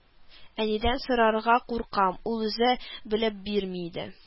Әнидән сорарга куркам, ул үзе белеп бирми иде